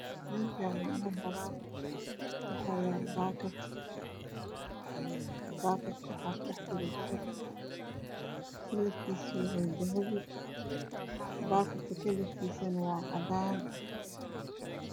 Meeshan waxaa yalo baakad waxana ku dhexjiro dahab midabkiisa yahay dahabi bakadka kalarkiisa waa cadaan